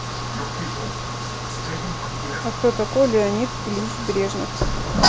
а кто такой леонид ильич брежнев